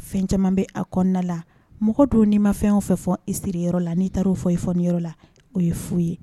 Fɛn caaman bɛ a kɔnɔna la, mɔgɔ dun n'i ma fɛn o fɛn fɔ i siriyɔrɔ la, n'i taara'o fɔ i fɔoniyɔrɔ la , o ye fu ye.